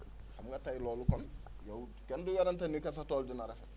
xam nga tey loolu kon yow kenn du werante ni que sa tool dina rafet